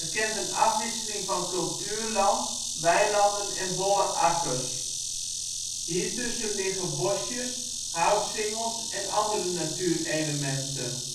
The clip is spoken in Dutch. kent een afwisseling van cultuurland: weilanden en bolle akkers. Hiertussen liggen bosjes, houtsingels en andere natuurelementen